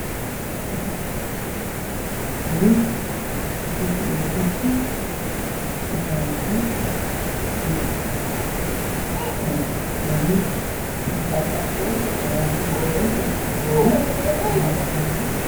Nin ku fadhiyo kursi wuxuu wataa suud oo madow shaati cadaan iyo garan baati guduudan wuxuu cabayaa caagad caafi